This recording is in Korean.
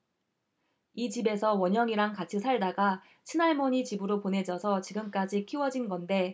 이 집에서 원영이랑 같이 살다가 친할머니 집으로 보내져서 지금까지 키워진 건데